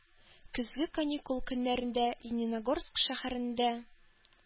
Көзге каникул көннәрендә Лениногорск шәһәрендә